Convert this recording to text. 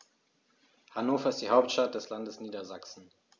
Hannover ist die Hauptstadt des Landes Niedersachsen.